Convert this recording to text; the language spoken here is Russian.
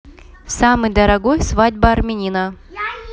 самый дорогой свадьба армянина